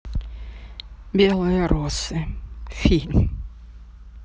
белые росы фильм